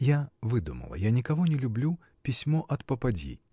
Я выдумала, я никого не люблю, письмо от попадьи!